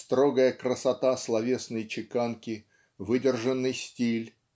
строгая красота словесной чеканки выдержанный стиль